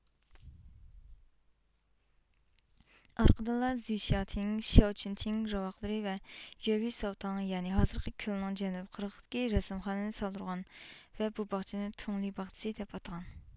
ئارقىدىنلا زۈي شياتىڭ شياۋچۈنتىڭ راۋاقلىرى ۋە يۆۋېي ساۋتاڭ يەنى ھازىرقى كۆلنىڭ جەنۇبىي قىرغىقىدىكى رەسىمخانىنى سالدۇرغان ۋە بۇ باغچىنى تۇڭلې باغچىسى دەپ ئاتىغان